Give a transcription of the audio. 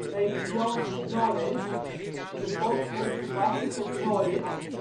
heette John Norreys (in de volksmond verbasterd tot ' Norrits